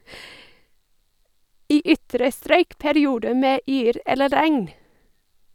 I ytre strøk perioder med yr eller regn.